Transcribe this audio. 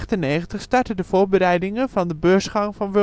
1998 starten de voorbereidingen van de beursgang van